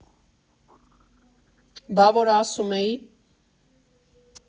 Բա որ ասում էի՜